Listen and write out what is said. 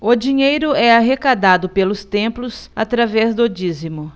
o dinheiro é arrecadado pelos templos através do dízimo